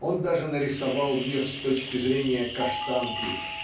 Он даже нарисовал мир с точки зрения Каштанки